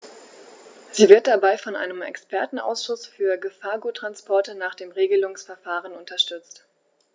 Sie wird dabei von einem Expertenausschuß für Gefahrguttransporte nach dem Regelungsverfahren unterstützt.